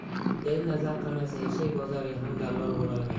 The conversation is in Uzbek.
el nazar qilmasa eshak bozoriga ham dallol bo'lolmaysan